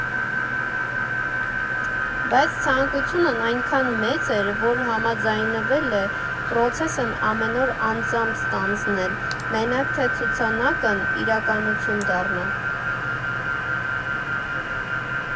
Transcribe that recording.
Բայց ցանկությունն այնքան մեծ էր, որ համաձայնվել է պրոցեսն ամեն օր անձամբ ստանձնել, մենակ թե ցուցանակն իրականություն դառնա։